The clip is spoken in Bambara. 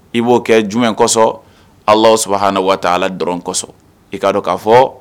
I b'o kɛ jumɛn kɔsɔn? allahu taala xubahaanahu dɔrɔnw kosɔn ,i k'a dɔn k'a fɔ